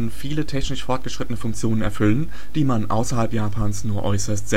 viele technisch fortgeschrittene Funktionen erfüllen, die man außerhalb Japans nur äußerst